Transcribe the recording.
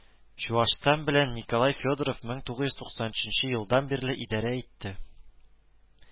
Чуашстан белән Николай Федоров мең тугыз йөз туксан өченче елдан бирле идарә итте